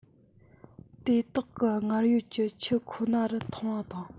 དེ དག གི སྔར ཡོད ཀྱི ཁྱུ ཁོ ན རུ མཐོང བ དང